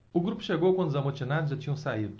o grupo chegou quando os amotinados já tinham saído